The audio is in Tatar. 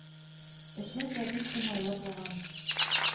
Өчен дә бик уңайлы булган